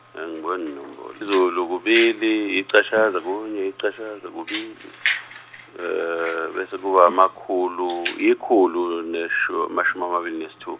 isiZulu kubili yichashaza kunye ichashaza kubili, besekuba amakhulu, ikhulu neshu- mashumi amabili nesithu-.